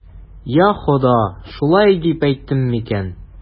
Йа Хода, шулай дип әйттем микән?